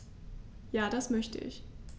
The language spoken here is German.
Ja, das möchte ich.